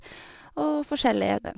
Og forskjellige den.